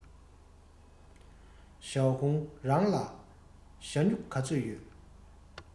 ཞའོ ཧུང རང ལ ཞྭ སྨྱུག ག ཚོད ཡོད